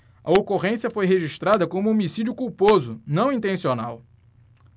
a ocorrência foi registrada como homicídio culposo não intencional